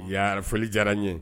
Yaa folili diyara n ye